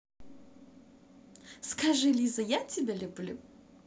скажи лиза я тебя люблю